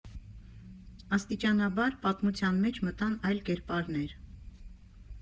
Աստիճանաբար պատմության մեջ մտան այլ կերպարներ։